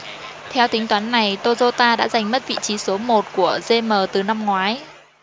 theo tính toán này toyota đã giành mất vị trí số một của gm từ năm ngoái